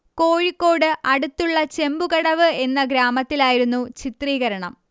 കോഴിക്കോട് അടുത്തുള്ള ചെമ്പുകടവ് എന്ന ഗ്രാമത്തിലായിരുന്നു ചിത്രീകരണം